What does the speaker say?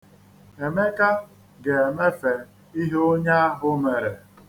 Emeka ga-emefe ihe onye ahụ mere.